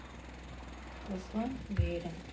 руслан верин